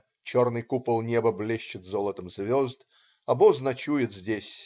Черный купол неба блещет золотом звезд. Обоз ночует здесь.